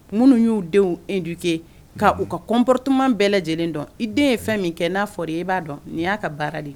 Minnu y'u denw eduke k' u ka kɔnporotuman bɛɛ lajɛlen dɔn i den ye fɛn min kɛ n'a fɔra e b'a dɔn nini y'a ka baara de ye